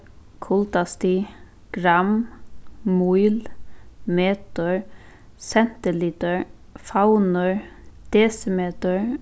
kuldastig gramm míl metur sentilitur favnur desimetur